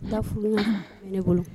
I da furu ne bolo